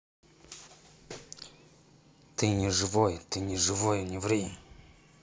ты не живой ты не живой не ври